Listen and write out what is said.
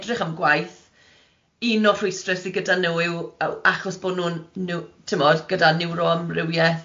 edrych am gwaith, un o rhwystrau sy gyda nhw yw yy achos bod nhw'n nw- timod gyda niwroamrywieth.